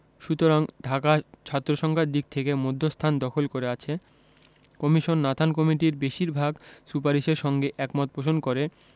সুতরাং ঢাকা ছাত্রসংখ্যার দিক থেকে মধ্যস্থান দখল করে আছে কমিশন নাথান কমিটির বেশির ভাগ সুপারিশের সঙ্গে একমত পোষণ করে